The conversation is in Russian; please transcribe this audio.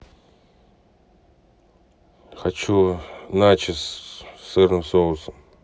хочу начес с сырным соусом